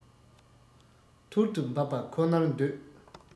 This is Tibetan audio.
ཐུར དུ འབབ པ ཁོ ནར འདོད